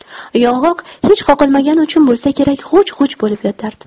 yong'oq hech qoqilmagani uchun bo'lsa kerak g'uj g'uj bo'lib yotardi